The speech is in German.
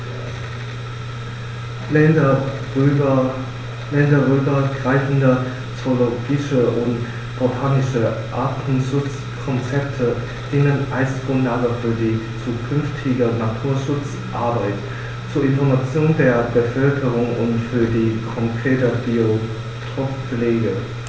Länderübergreifende zoologische und botanische Artenschutzkonzepte dienen als Grundlage für die zukünftige Naturschutzarbeit, zur Information der Bevölkerung und für die konkrete Biotoppflege.